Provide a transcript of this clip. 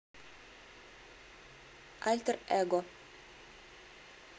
alter ego